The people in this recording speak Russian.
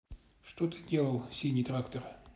что ты делал синий трактор